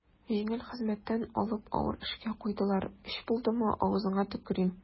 Җиңел хезмәттән алып авыр эшкә куйдылар, өч булдымы, авызыңа төкерим.